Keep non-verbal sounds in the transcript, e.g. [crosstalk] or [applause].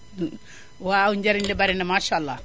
di [inhales] waaw njariñ li bari na maasàllaa